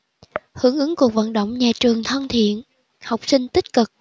hưởng ứng cuộc vận động nhà trường thân thiện học sinh tích cực